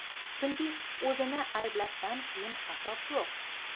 chunki o'zini ayblashdan qiyin azob yo'q